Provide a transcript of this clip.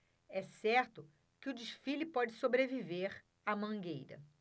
é certo que o desfile pode sobreviver à mangueira